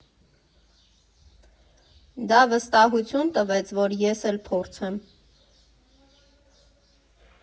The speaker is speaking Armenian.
Դա վստահություն տվեց, որ ես էլ փորձեմ։